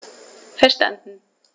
Verstanden.